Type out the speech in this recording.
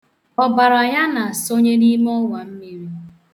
Ọbara ya na-asọnye n'ime ọwammiri